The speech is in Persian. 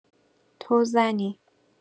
تو زنی.